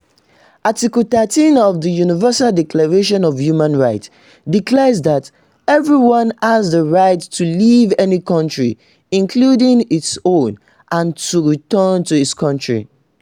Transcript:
Article 13 of the Universal Declaration of Human Rights declares that "Everyone has the right to leave any country, including his own, and to return to his country".